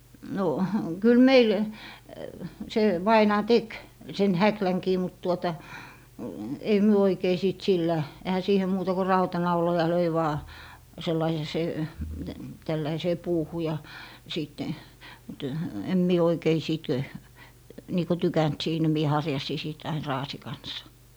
no kyllä meillä se vainaja teki sen häklänkin mutta tuota ei me oikein sitten sillä eihän siihen muuta kuin rautanauloja löi vain sellainen ja se tällaiseen puuhun ja sitten - en minä oikein sitten niin kuin tykännyt siinä minä harjasin sitten aina raasin kanssa